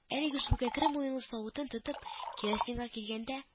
Әлеге шул кәкре муенлы савытын тотып керосинга килгәндә